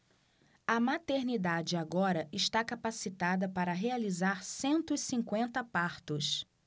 a maternidade agora está capacitada para realizar cento e cinquenta partos